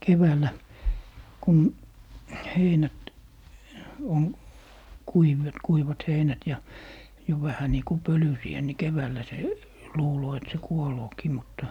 keväällä kun heinät on - kuivat heinät ja jo vähän niin kuin pölyisiä niin keväällä se jo luulee että se kuoleekin mutta